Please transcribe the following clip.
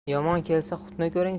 yomon kelsa hutni ko'ring